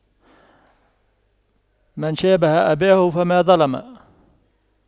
من شابه أباه فما ظلم